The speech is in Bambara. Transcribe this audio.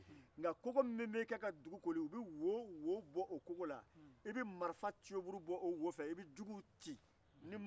nka u bɛ wo bɔ a kogo la i bɛ marifa daburu bɔ o fɛ ka judu ti